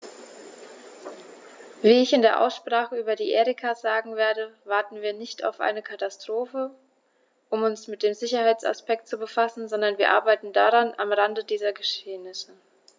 Wie ich in der Aussprache über die Erika sagen werde, warten wir nicht auf eine Katastrophe, um uns mit dem Sicherheitsaspekt zu befassen, sondern wir arbeiten daran am Rande dieser Geschehnisse.